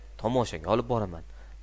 tomoshaga olib boraman